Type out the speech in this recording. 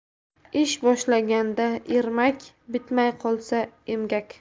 ish boshlaganda ermak bitmay qolsa emgak